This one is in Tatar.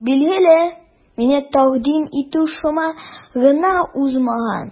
Билгеле, мине тәкъдим итү шома гына узмаган.